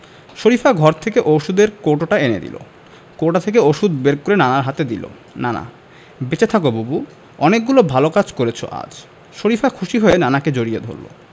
শরিফা ঘর থেকে ঔষধের কৌটোটা এনে দিল কৌটা থেকে ঔষধ বের করে নানার হাতে দিল নানা বেঁচে থাকো বুবু অনেকগুলো ভালো কাজ করেছ আজ শরিফা খুশি হয়ে নানাকে জড়িয়ে ধরল